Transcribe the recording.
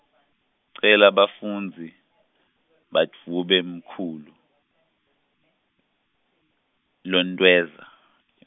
cela bafundzi badvwebe mkhulu Lontweza .